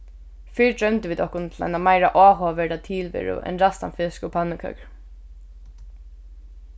fyrr droymdu vit okkum til eina meira áhugaverda tilveru enn ræstan fisk og pannukøkur